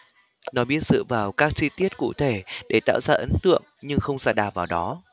nó biết dựa vào các chi tiết cụ thể để tạo ra ấn tượng nhưng không sa đà vào đó